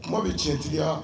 Kuma bɛ tiɲɛtigiya